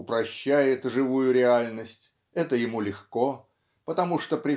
упрощает живую реальность это ему легко потому что